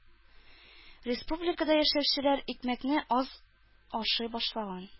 Республикада яшәүчеләр икмәкне аз ашый башлаган